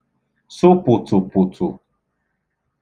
sụ̄ pụ̀tụ̀pụ̀tụ̀